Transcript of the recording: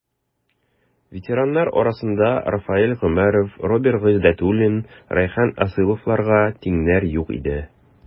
Ветераннар арасында Рафаэль Гомәров, Роберт Гыйздәтуллин, Рәйхан Асыловларга тиңнәр юк иде.